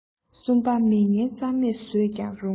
གསུམ པ མི ངན རྩ མེད བཟོས ཀྱང རུང